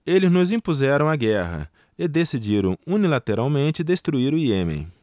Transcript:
eles nos impuseram a guerra e decidiram unilateralmente destruir o iêmen